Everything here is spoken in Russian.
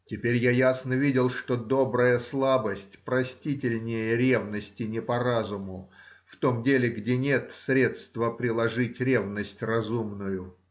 Теперь я ясно видел, что добрая слабость простительнее ревности не по разуму — в том деле, где нет средства приложить ревность разумную.